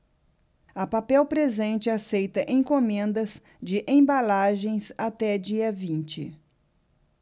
a papel presente aceita encomendas de embalagens até dia vinte